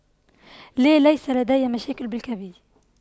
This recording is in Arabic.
لا ليس لدي مشاكل بالكبد